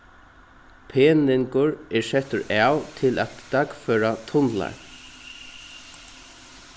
peningur er settur av til at dagføra tunlar